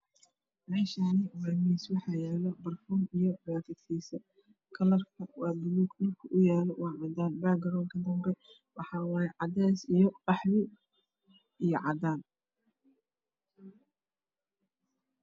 Meshsn waa mis waxayalo barfuun io bakadkis kalrak waa bsluug dhulka oow yalo waa cadan bagaronka dabe waaxaway cades io qahwi io cadan